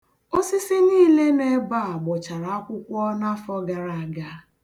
Osisi niile nọ ebe a gbụchara akwụkwọ n'afọ gara aga.